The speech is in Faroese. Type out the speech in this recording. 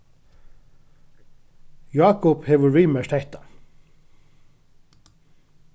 jákup hevur viðmerkt hetta